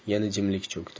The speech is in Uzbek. yana jimlik cho'kdi